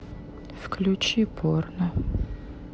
включи порно